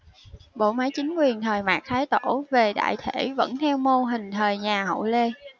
bộ máy chính quyền thời mạc thái tổ về đại thể vẫn theo mô hình thời nhà hậu lê